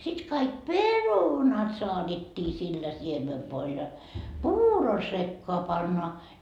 sitten kaikki perunat saatettiin sillä siemenvoilla ja puuron sekaan pannaan